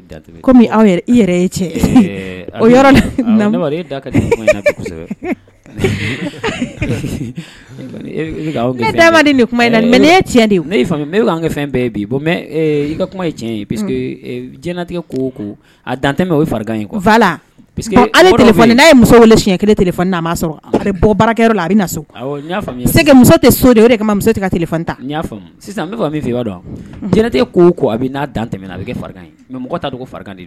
Fɛn bɛɛ kuma jɛnɛtigɛ ko a dantɛ o ye muso siɲɛ kelen bɔ muso tɛ so musoa dɔn jɛnɛ ko ko a dantɛ a bɛ mɔgɔ ye